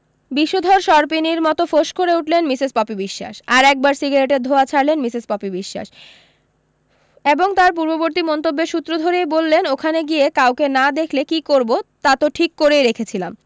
বিষধর সরপিনীর মতো ফোঁস করে উঠলেন মিসেস পপি বিশ্বাস আর একবার সিগারেটের ধোঁয়া ছাড়লেন মিসেস পপি বিশ্বাস এবং তার পূর্ববর্তী মন্তব্যের সূত্র ধরেই বললেন ওখানে গিয়ে কাউকে না দেখলে কী করবো তা তো ঠিক করেই রেখেছিলাম